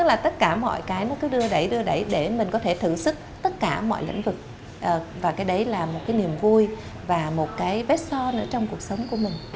là tất cả mọi cái nó cứ đưa đẩy đưa đẩy để mình có thể thử sức tất cả mọi lĩnh vực và cái đấy là một cái niềm vui và một cái vết son ở trong cuộc sống của mình